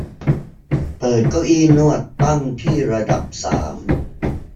เปิดเก้าอี้นวดตั้งที่ระดับสาม